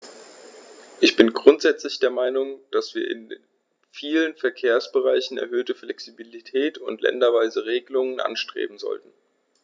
Ich bin grundsätzlich der Meinung, dass wir in vielen Verkehrsbereichen erhöhte Flexibilität und länderweise Regelungen anstreben sollten.